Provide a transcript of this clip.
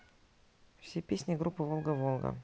все песни группы волга волга